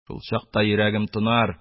Шул чакта йөрәгем тынар,